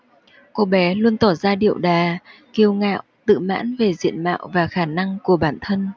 cô bé luôn tỏ ra điệu đà kiêu ngạo tự mãn về diện mạo và khả năng của bản thân